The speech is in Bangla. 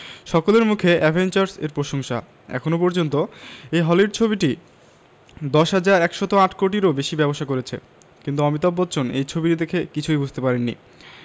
সকলের মুখে অ্যাভেঞ্জার্স এর প্রশংসা এখনও পর্যন্ত এই হলিউড ছবিটি ১০১০৮ কোটিরও বেশি ব্যবসা করেছে কিন্তু অমিতাভ বচ্চন এই ছবিটি দেখে কিছুই বুঝতে পারেননি